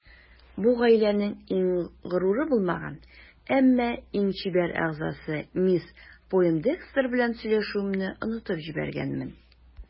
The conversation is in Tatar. Бу гаиләнең иң горуры булмаган, әмма иң чибәр әгъзасы мисс Пойндекстер белән сөйләшүемне онытып җибәргәнмен.